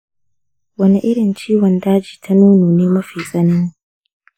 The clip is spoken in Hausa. wane irin ciwon daji ta nono ne mafi tsanani?